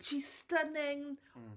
She's stunning... Mm